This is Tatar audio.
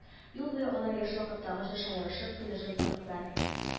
Юл буе алар яшь вакыттагыча шаярышып, көлешеп кайттылар